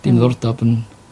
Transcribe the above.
Dim ddordab yn